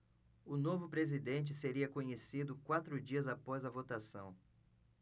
o novo presidente seria conhecido quatro dias após a votação